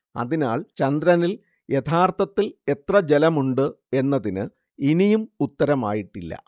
അതിനാൽ ചന്ദ്രനിൽ യഥാർത്ഥത്തിൽ എത്ര ജലമുണ്ട് എന്ന ചോദ്യത്തിന് ഇനിയും ഉത്തരമായിട്ടില്ല